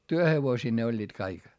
työhevosia ne olivat kaikki